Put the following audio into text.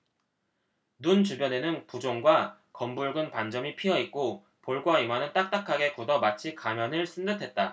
눈 주변에는 부종과 검붉은 반점이 피어 있고 볼과 이마는 딱딱하게 굳어 마치 가면을 쓴 듯했다